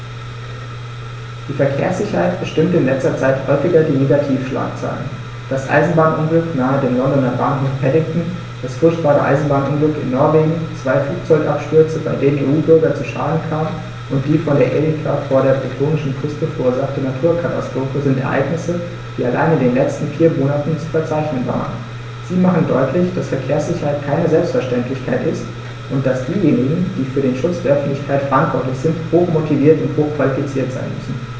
Die Verkehrssicherheit bestimmte in letzter Zeit häufig die Negativschlagzeilen: Das Eisenbahnunglück nahe dem Londoner Bahnhof Paddington, das furchtbare Eisenbahnunglück in Norwegen, zwei Flugzeugabstürze, bei denen EU-Bürger zu Schaden kamen, und die von der Erika vor der bretonischen Küste verursachte Naturkatastrophe sind Ereignisse, die allein in den letzten vier Monaten zu verzeichnen waren. Sie machen deutlich, dass Verkehrssicherheit keine Selbstverständlichkeit ist und dass diejenigen, die für den Schutz der Öffentlichkeit verantwortlich sind, hochmotiviert und hochqualifiziert sein müssen.